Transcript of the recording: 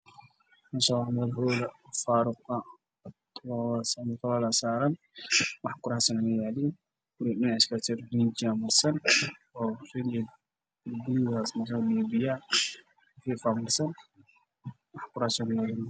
Waa qol midabkiisu yahay cadaanka kor iyo hoos